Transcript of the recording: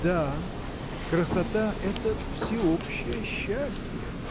Да, красота — это всеобщее счастье!